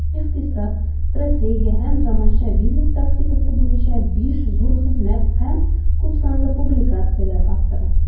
Икътисад, стратегия һәм заманча бизнес тактикасы буенча 5 зур хезмәт һәм күпсанлы публикацияләр авторы.